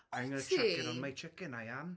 Wyt ti?... I'm gonna chuck it on my chicken, I am.